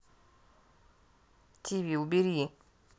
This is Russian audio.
тиви убери